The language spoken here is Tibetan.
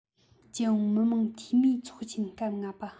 རྒྱལ ཡོངས མི དམངས འཐུས མིའི ཚོགས ཆེན སྐབས ལྔ པ